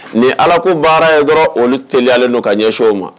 Ni ye Alako baara ye dɔrɔn olu teliyalen don ka ɲɛsin o ma